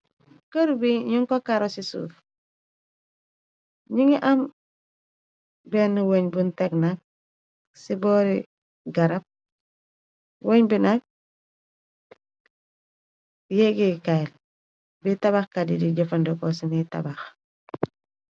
Kërr bi nyung ko karo ci suuf nyung gi am benn weñch bu teg nak ci boori garab wench bi nak yéggeh kai la bu tabaxkat yi di jëfandeko si nyui tabax.